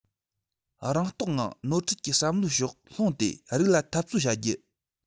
རང རྟོགས ངང ནོར འཁྲུལ གྱི བསམ བློའི ཕྱོགས ལྷུང དེ རིགས ལ འཐབ རྩོད བྱ རྒྱུ